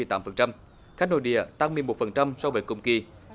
tám phần trăm khách nội địa tăng mười bốn phần trăm so với cùng kỳ